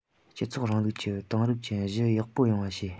སྤྱི ཚོགས རིང ལུགས ཀྱི དེང རབས ཅན བཞི ཡག པོ ཡོང བ བྱེད